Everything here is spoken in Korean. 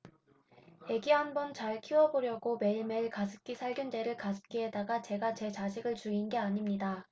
애기 한번 잘 키워보려고 매일매일 가습기 살균제를 가습기에다가 제가 제 자식을 죽인 게 아닙니다